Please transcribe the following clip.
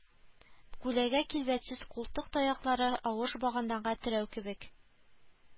Күләгә килбәтсез култык таяклары авыш баганага терәү кебек